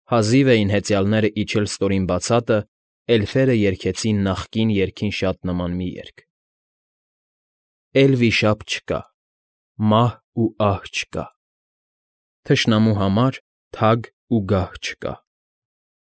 Հազիվ էին հեծյալները իջել ստորին բացատը, էլֆերը երգեցին նախկին երգին շատ նման մի երգ. Էլ վիշապ չկա, Մահ ու ահ չկա, Թշնամու համար Թագ ու գահ չկա։